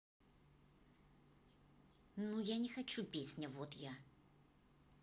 ну я не хочу песня вот я